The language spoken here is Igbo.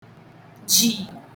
jiī